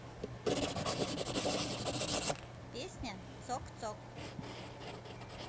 песня цок цок